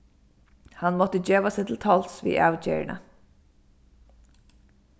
hann mátti geva seg til tols við avgerðina